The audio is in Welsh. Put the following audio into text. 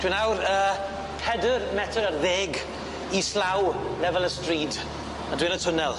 Dwi nawr yy pedyr metyr ar ddeg islaw lefel y stryd, a dwi yn y twnnel.